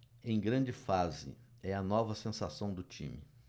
em grande fase é a nova sensação do time